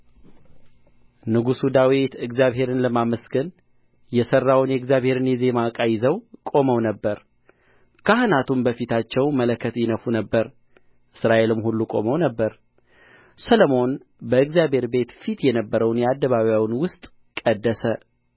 ንጉሡ ዳዊት እግዚአብሔርን ለማመስገን የሠራውን የእግዚአብሔርን የዜማ ዕቃ ይዘው ቆመው ነበር ካህናቱም በፊታቸው መለከት ይነፉ ነበር እስራኤልም ሁሉ ቆመው ነበር ሰሎሞን በእግዚአብሔር ቤት ፊት የነበረውን የአደባባዩን ውስጥ ቀደሰ